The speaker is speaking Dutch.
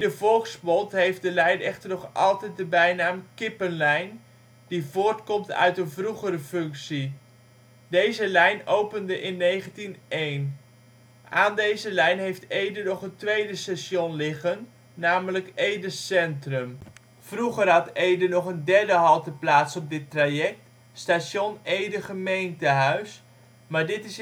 volksmond heeft de lijn echter nog altijd de bijnaam " Kippenlijn ", die voortkomt uit een vroegere functie. Deze lijn opende in 1901. Aan deze lijn heeft Ede nog een tweede station liggen, namelijk Ede Centrum. Vroeger had Ede nog een derde halteplaats op dit traject, station Ede-gemeentehuis, maar dit